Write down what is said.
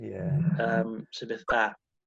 Ie. Yym. Sy beth da.